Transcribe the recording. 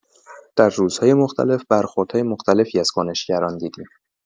در روزهای مختلف برخوردهای مختلفی از کنشگران دیدیم.